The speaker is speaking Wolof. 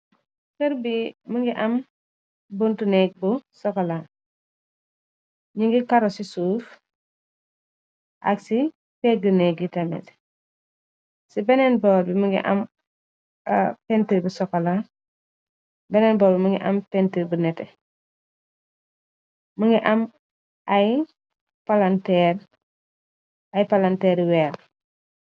Kër bi më ngi am buntu neeg bu sokola, ñi ngi karo ci suuf, ak ci pegg neeg yi tamit, ci benneen boor bi mi ngi am pentir bu sokola, benneen boor bi më ngi am pentir bu nete, mingi am ay palanteer, ay palanteeri weer.